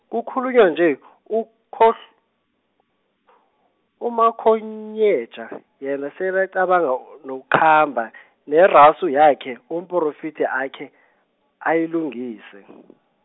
kukhulunywa nje , ukhohl-, umaKhonyeja , yena selaqabanga nokukhamba , neraso yakhe, Umporofidi akhe, ayilungise .